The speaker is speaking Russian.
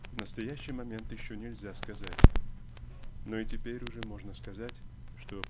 в настоящий момент еще нельзя сказать. Но и теперь уже можно сказать что